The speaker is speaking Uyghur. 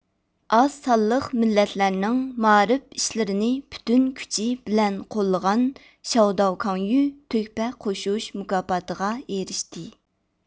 ئاز سانلىق مىللەتلەرنىڭ مائارىپ ئىشلىرىنى پۈتۈن كۈچى بىلەن قوللىغان شياۋداۋ كاڭيۈ تۆھپە قوشۇش مۇكاپاتىغا ئېرىشتى